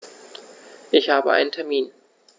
Ich habe einen Termin.